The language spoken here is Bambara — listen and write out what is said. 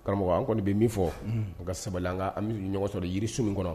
Karamɔgɔ an kɔni bɛ min fɔ ka sabali an ɲɔgɔn sɔrɔ jirisu min kɔnɔ